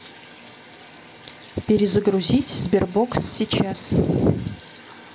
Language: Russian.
перезагрузить sberbox сейчас